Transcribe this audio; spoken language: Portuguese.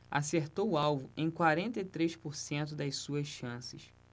acertou o alvo em quarenta e três por cento das suas chances